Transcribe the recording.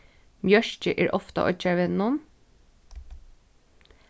mjørki er ofta á oyggjarvegnum